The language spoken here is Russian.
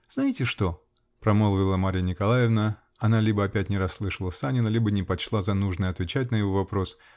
-- Знаете что, -- промолвила Марья Николаевна: она либо опять не расслышала Санина, либо не почла за нужное отвечать на его вопрос .